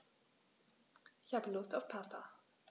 Ich habe Lust auf Pasta.